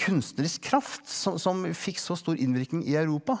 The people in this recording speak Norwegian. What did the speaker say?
kunstnerisk kraft som som fikk så stor innvirkning i Europa.